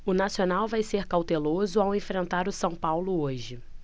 o nacional vai ser cauteloso ao enfrentar o são paulo hoje